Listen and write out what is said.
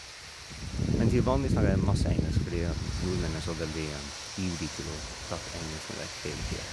Men til vanlig snakker jeg masse engelsk, fordi nordmenn er så veldig ivrig til å prate engelsk med deg hele tida.